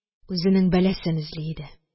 Үзенең бәласен эзли иде